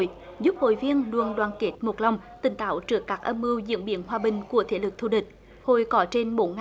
giúp hội viên đường đoàn kết một lòng tỉnh táo trước các âm mưu diễn biến hòa bình của thế lực thù địch hội có trên bốn